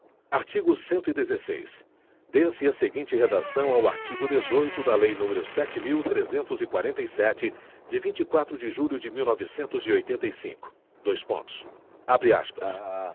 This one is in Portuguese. artigo cento e dezesseis dê se a seguinte redação ao artigo dezoito da lei número sete mil trezentos e quarenta e sete de vinte e quatro de julho de mil novecentos e oitenta e cinco dois pontos abre aspas